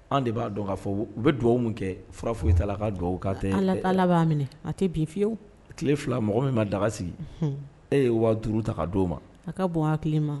An de b'a dɔn ka fɔ u bɛ dugawu min kɛ fura f foyi ta ka dugawu ka tɛ ala b'a minɛ a tɛ bin fiyewu tile fila mɔgɔ min ma daga sigi e ye wa duuru ta di ma a ka bon ha ma